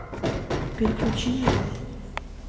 переключи на ю